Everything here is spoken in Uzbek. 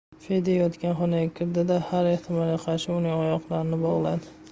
fedya yotgan xonaga kirdi da har ehtimolga qarshi uning oyoqlarini bog'ladi